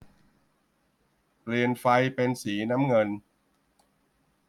เปลี่ยนไฟเป็นสีน้ำเงิน